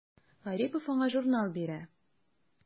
Гарипов аңа журнал бирә.